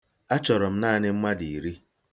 Achọrọ m naanị mmadụ iri.